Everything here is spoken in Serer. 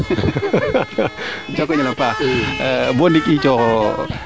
njooko njal a paax bo ndiik i coox